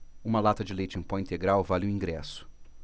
uma lata de leite em pó integral vale um ingresso